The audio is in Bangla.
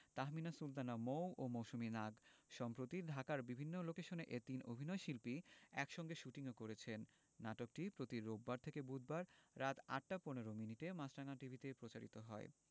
তাহমিনা সুলতানা মৌ ও মৌসুমী নাগ সম্প্রতি ঢাকার বিভিন্ন লোকেশনে এ তিন অভিনয়শিল্পী একসঙ্গে শুটিংও করেছেন নাটকটি প্রতি রোববার থেকে বুধবার রাত ৮টা ১৫ মিনিটে মাছরাঙা টিভিতে প্রচার হয়